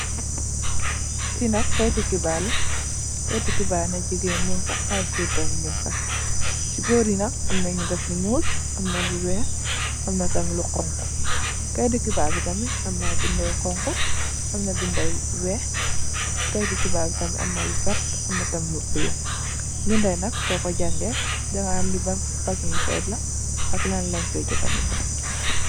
Li nak kayetu kibaar la, kayetu kibaar bi ay jigèen nung fa ay gòor tamit. Ci gòor yi nak amna nu def lu ñuul, amna lu weeh, amna tamit lu honku. Kayetu kibaar bi tamit amna ay binda yu honku, amna binda yu weeh, ci kayetu kibaar bi tamit amna lu vert amna tamit lu bulo. Binda yi nak soko jàngay daga hamli ban fasungi kayit la ak lan leen koy jafadeko.